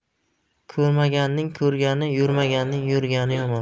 ko'rmaganning ko'rgani yurmaganning yurgani yomon